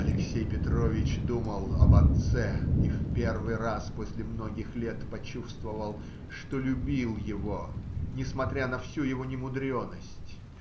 Алексей Петрович думал об отце и в первый раз после многих лет почувствовал, что любил его, несмотря на всю его немудреность.